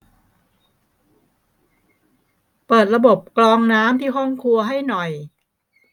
เปิดระบบกรองน้ำที่ห้องครัวให้หน่อย